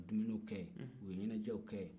ka dumuniw kɛ ka ɲɛnajɛw kɛ